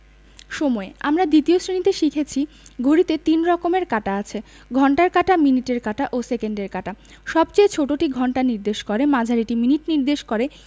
সময়ঃ আমরা ২য় শ্রেণিতে শিখেছি ঘড়িতে ৩ রকমের কাঁটা আছে ঘণ্টার কাঁটা মিনিটের কাঁটা ও সেকেন্ডের কাঁটা সবচেয়ে ছোটটি ঘন্টা নির্দেশ করে মাঝারিটি মিনিট নির্দেশ করে